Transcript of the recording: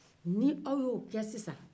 ni aw ye o kɛ sisan